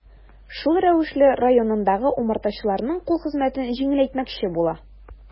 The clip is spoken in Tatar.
Шул рәвешле районындагы умартачыларның кул хезмәтен җиңеләйтмәкче була.